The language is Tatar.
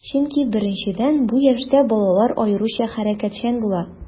Чөнки, беренчедән, бу яшьтә балалар аеруча хәрәкәтчән була.